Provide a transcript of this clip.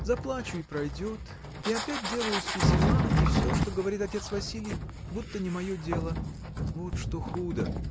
Заплачу, и пройдет, и опять делаюсь весела, и всё, что говорит отец Василий, — будто не мое дело! Вот что худо!